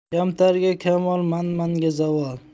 kamtarga kamol manmanga zavol